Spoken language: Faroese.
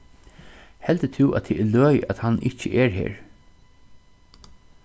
heldur tú at tað er løgið at hann ikki er her